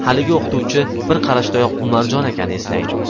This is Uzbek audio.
haligi o'qituvchi bir qarashdayoq umarjon akani eslaydi